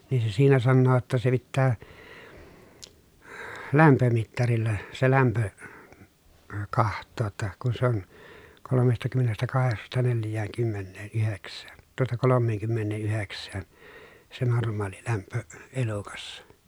niin se siinä sanoo jotta se pitää lämpömittarilla se lämpö katsoa jotta kun se on kolmestakymmenestäkahdeksasta neljäänkymmeneenyhdeksään tuota kolmeenkymmeneenyhdeksään se normaalilämpö elukassa